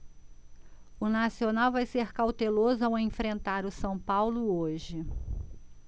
o nacional vai ser cauteloso ao enfrentar o são paulo hoje